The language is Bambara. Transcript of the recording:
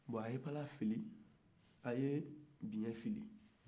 bon a ye bala fili a ye biɲɛ fili